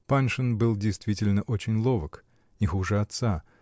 Паншин был действительно очень ловок, -- не хуже отца